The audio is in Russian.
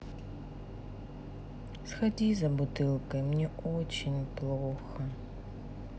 сходи за бутылкой мне очень плохо